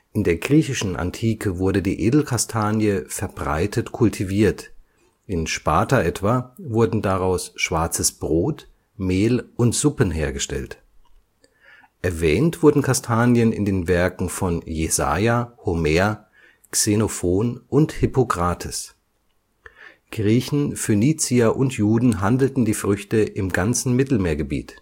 In der griechischen Antike wurde die Edelkastanie verbreitet kultiviert, in Sparta etwa wurden daraus schwarzes Brot, Mehl und Suppen hergestellt. Erwähnt werden Kastanien in den Werken von Jesaja, Homer, Xenophon und Hippokrates. Griechen, Phönizier und Juden handelten die Früchte im ganzen Mittelmeergebiet